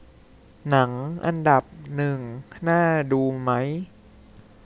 หนังอันดับหนึ่งน่าดูไหม